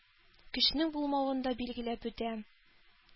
Көчнең булмавын да билгеләп үтә.